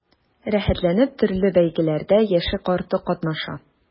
Рәхәтләнеп төрле бәйгеләрдә яше-карты катнаша.